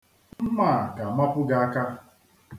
Mma a ga-amapu gị aka.